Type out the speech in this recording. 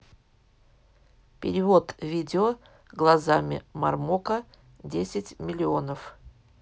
перевод видео глазами мармока десять миллионов